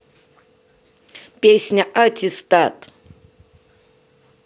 песня аттестат